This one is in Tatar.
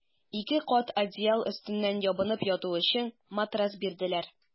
Ике кат одеял өстеннән ябынып яту өчен матрас бирделәр.